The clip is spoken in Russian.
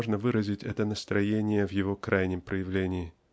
можно выразить это настроение в его крайнем проявлении.